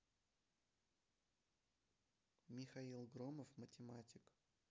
михаил громов математик